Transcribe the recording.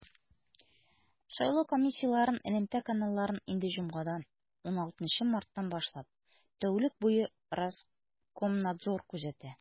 Сайлау комиссияләрен элемтә каналларын инде җомгадан, 16 марттан башлап, тәүлек буе Роскомнадзор күзәтә.